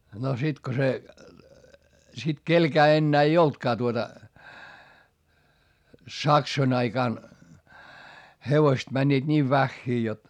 no sitten kun se sitten kenelläkään enää ei ollutkaan tuota saksojen aikana hevosta menivät niin vähiin jotta